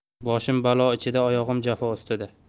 boshim balo ichida oyog'im jafo ustida